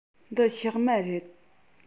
འདི ཕྱགས མ རེད